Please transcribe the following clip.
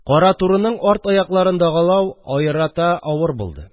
Кара турының арт аякларын дагалау аерата авыр булды